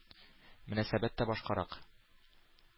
Мөнәсәбәт тә башкарак.